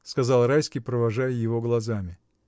— сказал Райский, провожая его глазами.